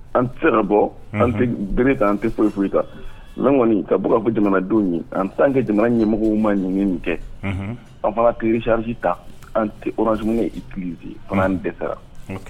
An sera bɔ an bere ka an tɛ foyi foyi kan kɔniɔni ka b fɔ jamanadenw an san kɛ jamana ɲɛmɔgɔ ma ɲiniɲini kɛ an fana kiirisirisi ta an tɛ zum kiti kana an bɛɛ sara